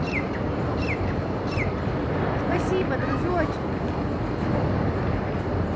спасибо дружочек